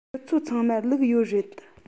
ཁྱོད ཚོ ཚང མར ལུག ཡོད རེད